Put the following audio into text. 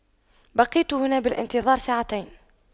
بقيت هنا بالانتظار ساعتين